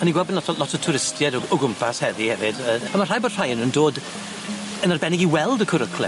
O'n i'n gweld bo' 'na tho lot o twristiaid o o gwmpas heddi efyd yy on' ma' rhaid bo' rhai o nw'n dod, yn arbennig i weld y cwrwcle.